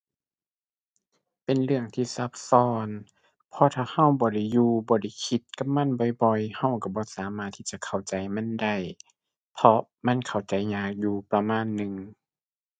เป็นเรื่องที่ซับซ้อน เพราะถ้าเราบ่ได้อยู่ บ่ได้คิดกับมันบ่อยบ่อย เราเราบ่สามารถที่จะเข้าใจมันได้ เพราะมันเข้าใจยากอยู่ประมาณหนึ่ง